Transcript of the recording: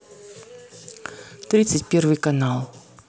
тридцать первый канал